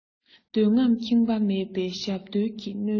འདོད རྔམས ཁེངས པ མེད པའི ཞབས བརྡོལ གྱི གནོད ཆས